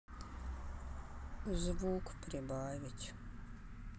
звук прибавить